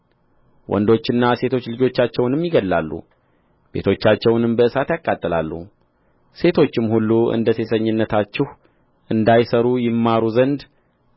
ወንዶችና ሴቶች ልጆቻቸውንም ይገድላሉ ቤቶቻቸውንም በእሳት ያቃጥላሉ ሴቶችም ሁሉ እንደ ሴሰኝነታችሁ እንዳይሠሩ ይማሩ ዘንድ